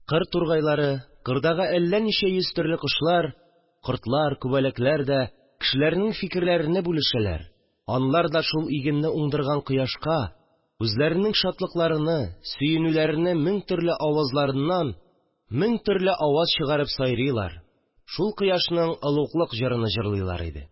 Кыр тургайлары, кырдагы әллә ничә йөз төрле кошлар, кортлар, күбәләкләр дә кешеләрнең фикерләрене бүлешәләр, аңар да шул игенне уңдырган кояшка үзләренең шатлыкларыны, сөенүләрене мең төрле авызларыннан мең төрле аваз чыгарып сайрыйлар, шул кояшның олуглык җырыны җырлыйлар иде